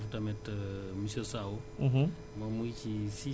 sama assistant bi nekk foofu tamit monsieur Saw